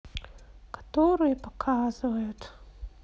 которые показывают